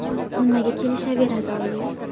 nimaga kelishaveradi oyi